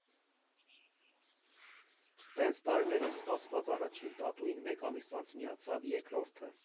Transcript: Տենց տարիներով սպասված առաջին տատուին մեկ ամիս անց միացավ երկրորդը։